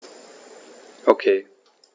Okay.